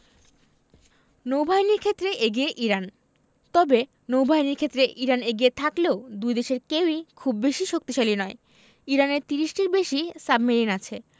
নৌবাহিনীর ক্ষেত্রে এগিয়ে ইরান তবে নৌবাহিনীর ক্ষেত্রে ইরান এগিয়ে থাকলেও দুই দেশের কেউই খুব বেশি শক্তিশালী নয় ইরানের ৩০টির বেশি সাবমেরিন আছে